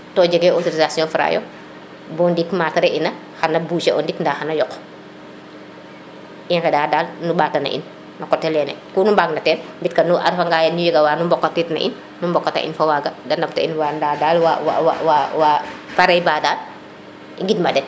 to jege autorisation Fra yo bo ɗik mate re ina xana bouger o ndik i ŋenda daal nu mbata na in no coté lene kunu mbaag na teen mbit kunu njega wanu mbokatid na in no mbokata in fo waaga de ndamta in nda dal wa wa wa Parba daal i ŋudma den